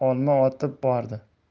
olma otib bordi